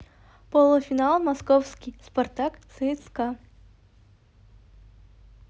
полуфинал московский спартак цска